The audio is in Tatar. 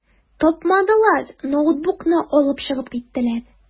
Тапмадылар, ноутбукны алып чыгып киттеләр.